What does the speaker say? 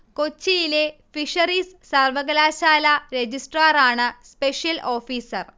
കൊച്ചിയിലെ ഫിഷറീസ് സർവകലാശാല രജിസ്ട്രാറാണ് സ്പെഷ്യൽ ഓഫീസർ